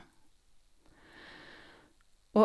Og...